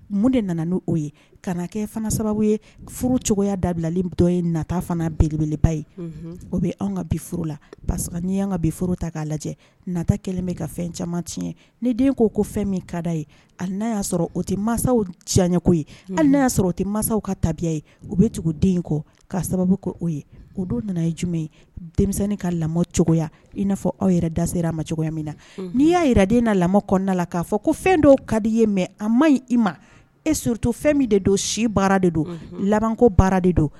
Mun de nana' oo ye ka kɛ fanga sababu ye cogoyaya dabilalen dɔ ye nata fana belebeleba ye o bɛ anw ka bi la parce que n'i y' ka bioro ta k'a lajɛ nata kɛlen bɛ ka fɛn caman tiɲɛ ni den ko ko fɛn min kada ye ani n'a y'a sɔrɔ o tɛ masaw tiɲɛko ye hali n'a y yaa sɔrɔ o tɛ masaw ka tabiya ye o bɛ tugu den kɔ k'a sababu ko o ye o don nana ye jumɛn ye denmisɛnninni ka lamɔ cogoyaya i n'a fɔ aw yɛrɛ dasera ma cogoya min na n'i y'a jira den na lamɔ kɔnɔnada la k'a fɔ ko fɛn dɔw kadi ye mɛ a ma ɲi i ma e s to fɛn min de don si baara de don labanko baara de don